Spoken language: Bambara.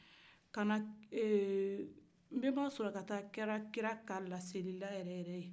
nbenba sulakata kɛra kira ka laselila yɛrɛ yɛrɛ ye